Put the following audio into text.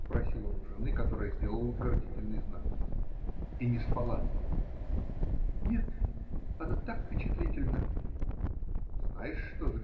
-- спросил он у жены, которая сделала утвердительный знак. -- И не спала? -- Нет. Она так впечатлительна! -- Знаешь что?